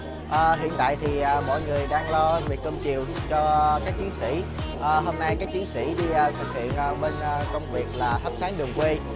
hiện tại thì mọi người đang lo việc cơm chiều cho các chiến sĩ hôm nay các chiến sĩ đi thực hiện công việc thắp sáng đường quê